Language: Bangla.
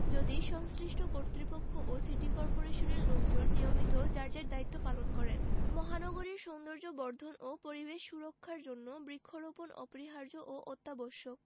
যদি সংশ্লিষ্ট কর্তৃপক্ষ ও সিটি কর্পোরেশনের লোকজন নিয়মিত যার যার দায়িত্ব পালন করেন মহানগরীর সৌন্দর্যবর্ধন ও পরিবেশ সুরক্ষার জন্য বৃক্ষরোপণ অপরিহার্য ও অত্যাবশ্যক